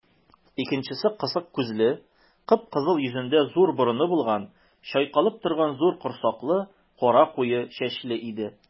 Икенчесе кысык күзле, кып-кызыл йөзендә зур борыны булган, чайкалып торган зур корсаклы, кара куе чәчле иде.